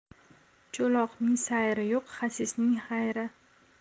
cho'loqning sayri yo'q xasisning xayri